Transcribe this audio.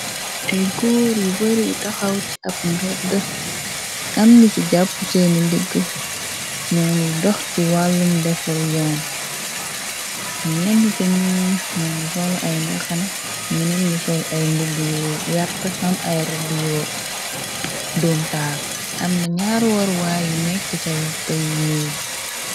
Ay góor yu bare yu taxaw ci ab mbedd am ngi ci jàpp seeni ndigg ñoo ngi dox ci wàllum defaru yoon ñenn ca ñoom ñoo nga sol ay mbaxana ñeneen ni sol ay mbubb yu wert xam ay rëd doom taar am na ñaaru warwaay yu nekk ca wette yu nyuul.